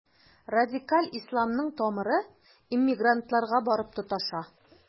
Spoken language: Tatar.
Радикаль исламның тамыры иммигрантларга барып тоташа.